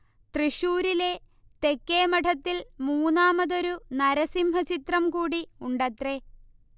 തൃശ്ശൂരിലെ തെക്കേമഠത്തിൽ മൂന്നാമതൊരു നരസിംഹചിത്രം കൂടി ഉണ്ടത്രേ